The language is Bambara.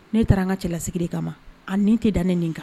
Ne taara an ka cɛlasigi de kama ani nin tɛ dan ne nin kan